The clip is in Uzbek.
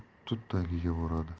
tut tagiga boradi